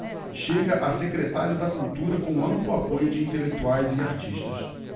chega a secretário da cultura com amplo apoio de intelectuais e artistas